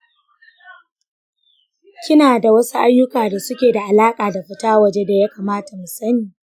kina da wasu ayyuka da suke da alaƙa da fita waje da yakamata mu sani.